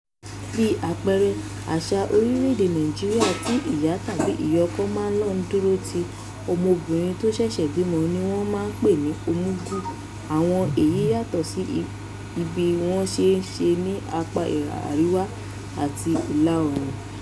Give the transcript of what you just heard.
Bí àpẹẹrẹ, àṣàa orilẹ̀ èdè Nàìríà tí ìyá tàbí ìya ọkọ máà lọ dúró ti ọmọbìnrin tó ṣẹ̀ṣẹ̀ bímọ ni wọ́n ń pè ní omugwo, àmọ́ èyí yàtọ̀ sí bí wọ́n ṣe ń ṣe ní apá àríwá àti ìlà-oòrùn.